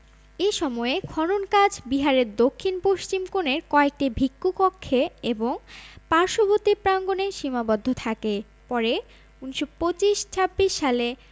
এ সময়ে খনন কাজ বিহারের দক্ষিণ পশ্চিম কোণের কয়েকটি ভিক্ষু কক্ষে এবং পার্শ্ববর্তী প্রাঙ্গনে সীমাবদ্ধ থাকে পরে ১৯২৫ ২৬ সালে